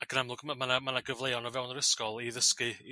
ag yn amlwg ma' ma' 'na ma' 'na gyfleon o fewn yr ysgol i ddysgu i